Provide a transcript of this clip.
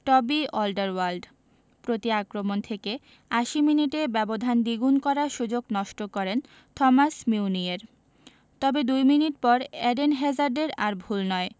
টবি অলডারওয়ার্ল্ড প্রতি আক্রমণ থেকে ৮০ মিনিটে ব্যবধান দ্বিগুণ করার সুযোগ নষ্ট করেন থমাস মিউনিয়ের তবে দুই মিনিট পর এডেন হ্যাজার্ডের আর ভুল নয়